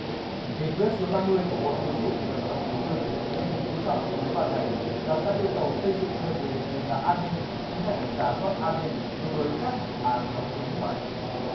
nghị quyết số năm mươi của bộ chính trị vừa được tổng bí thư chủ tịch nước nguyễn phú trọng ký ban hành đặt ra yêu cầu xây dựng cơ chế đánh giá an ninh tiến hành rà soát an ninh đối với các dự án đầu tư nước ngoài